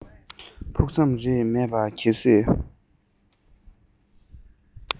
ཕུགས བསམ རེ མེད པ ག ལ སྲིད